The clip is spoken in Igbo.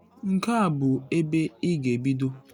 Nke a bụ ebe ị ga-ebido.